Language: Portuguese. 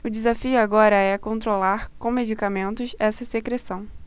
o desafio agora é controlar com medicamentos essa secreção